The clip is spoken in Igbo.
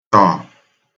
tọ̀